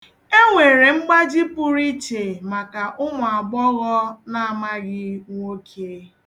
E nwere mgbaji pụrụ iche maka ụmụagbọghọ n'amaghị nwoke.